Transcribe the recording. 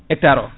hectare o